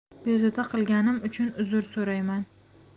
bezovta qilganim uchun uzr so'rayman